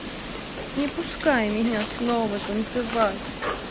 не пускайте меня снова танцевать